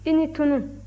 i ni tunun